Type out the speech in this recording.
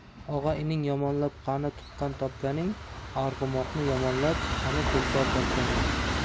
og'a ining yomoniab qani tuqqan topganing arg'umoqni yomoniab qani tulpor topganing